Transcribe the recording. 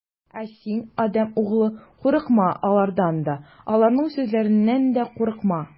Ә син, адәм углы, курыкма алардан да, аларның сүзләреннән дә курыкма.